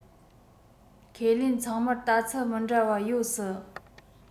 ཁས ལེན ཚང མར ལྟ ཚུལ མི འདྲ བ ཡོད སྲིད